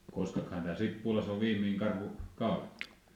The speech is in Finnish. koskahan täällä Sippulassa on viimeinen karhu kaadettu